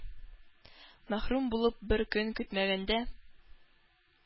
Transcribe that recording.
Мәхрүм булып, бер көн көтмәгәндә,